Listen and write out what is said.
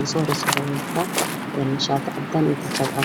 u horeyaa waxay wadata shati cad xojab cagar